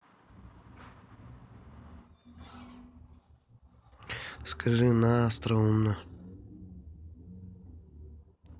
скажи на остроумно